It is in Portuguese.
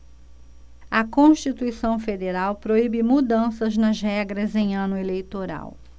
a constituição federal proíbe mudanças nas regras em ano eleitoral